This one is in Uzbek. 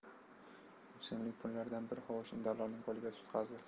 uch so'mlik pullardan bir hovuchini dallolning qo'liga tutqazdi